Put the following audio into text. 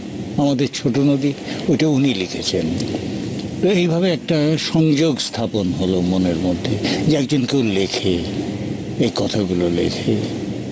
আমাদের ছোট নদী ও তো উনি লিখেছেন তো এইভাবে একটা সংযোগ স্থাপন হল মনের মধ্যে যে একজন কেউ লেখে এই কথাগুলো লেখে